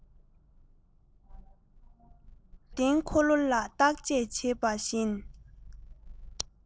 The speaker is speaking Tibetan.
འདྲུད འཐེན འཁོར ལོ ལ བརྟག དཔྱད བྱེད པ བཞིན